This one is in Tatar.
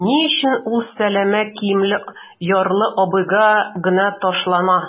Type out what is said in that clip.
Ни өчен ул сәләмә киемле ярлы-ябагайга гына ташлана?